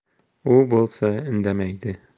u bo'lsa indamaydi